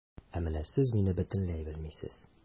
Ә менә сез мине бөтенләй белмисез.